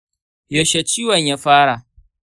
yaushe ciwon ya fara?